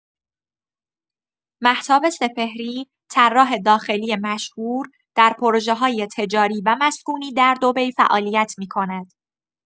مهتاب سپهری، طراح داخلی مشهور، در پروژه‌های تجاری و مسکونی در دبی فعالیت می‌کند.